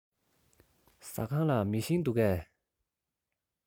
ཟ ཁང ལ མེ ཤིང འདུག གས